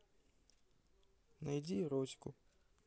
найди эротику